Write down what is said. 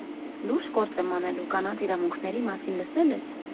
Լուրջ գործ եմ անելու՝ կանանց իրավունքների մասին լսել ե՞ս։